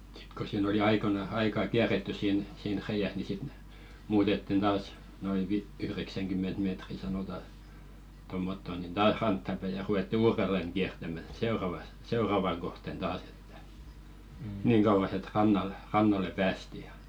sitten kun siinä oli - aikaa kierretty siinä siinä reiässä niin sitten ne muutettiin taas noin - yhdeksänkymmentä metriä sanotaan tuommottoon niin taas rantaan päin ja ruvettiin uudelleen kiertämään seuraavassa seuravaa kohti taas että niin kauas että rannalle rannalle päästiin ja